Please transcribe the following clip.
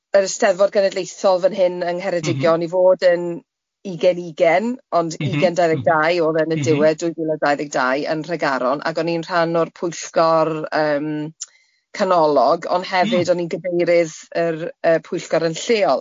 yr Eisteddfod Genedlaethol fan hyn yng Ngheredigion... M-hm. ...i fod yn ugen ugen... M-hm. ...ond ugen dau ddeg dau oedd e yn y diwed dwy fil a dau ddeg dau yn Nhregaron ag o'n i'n rhan o'r pwyllgor yym canolog... M-hm. ...ond hefyd o'n i'n gyfeirydd yr yy pwyllgor yn lleol.